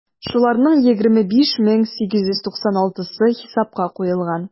Шуларның 25 мең 896-сы хисапка куелган.